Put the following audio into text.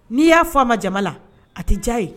N'i y'a fɔ a ma jama la a tɛ diya ye